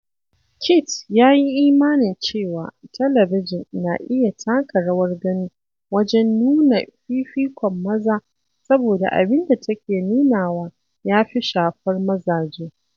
Kit ya yi imanin cewa talabijin na iya taka rawar gani wajen nuna fifikon maza Saboda abinda take nunawa yafi shafar mazaje